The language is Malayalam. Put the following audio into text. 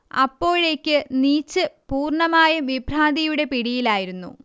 അപ്പോഴേക്ക് നീച്ച് പൂർണ്ണമായും വിഭ്രാന്തിയുടെ പിടിയിലായിരുന്നു